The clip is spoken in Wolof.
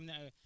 des fois